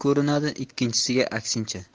ko'rinadi ikkinchisiga aksincha